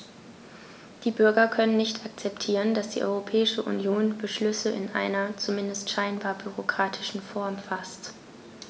Die Bürger können nicht akzeptieren, dass die Europäische Union Beschlüsse in einer, zumindest scheinbar, bürokratischen Form faßt.